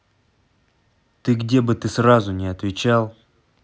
ты где бы ты сразу не отвечал